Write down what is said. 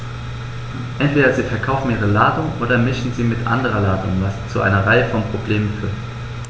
Entweder sie verkaufen ihre Ladung oder mischen sie mit anderer Ladung, was zu einer Reihe von Problemen führt.